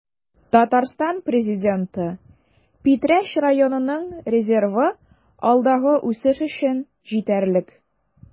Татарстан Президенты: Питрәч районының резервы алдагы үсеш өчен җитәрлек